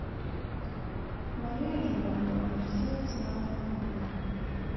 мария журавлева на сердце рана у меня